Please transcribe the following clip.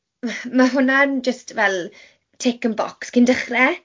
Ma' ma' hwnna'n jyst fel tick in box cyn dechrau.